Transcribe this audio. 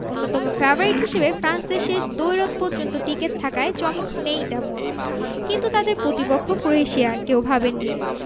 অন্যতম ফেভারিট হিসেবে ফ্রান্সের শেষ দ্বৈরথ পর্যন্ত টিকে থাকায় চমক নেই তেমন কিন্তু তাদের প্রতিপক্ষ ক্রোয়েশিয়া কেউ ভাবেননি